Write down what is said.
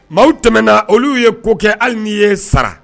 Maaw tɛmɛnaa olu ye ko kɛ ali n'i y'e sara